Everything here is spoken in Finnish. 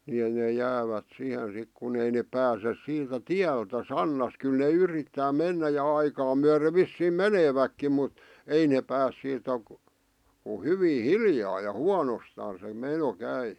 niin ne jäävät siihen sitten kun ei ne pääse siitä tieltä sannassa kyllä ne yrittää mennä ja aikaa myöden vissiin menevätkin mutta ei ne pääse siitä kun hyvin hiljaa ja huonostaan se meno käy